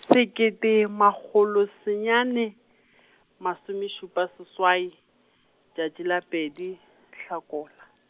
sekete makgolo senyane, masomešupa seswai, tšatši la pedi, Hlakola.